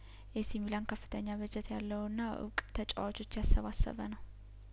ኤሲ ሚላን ከፍተኛ በጀት ያለውና እውቅ ተጫዋቾች ያሰባሰበነው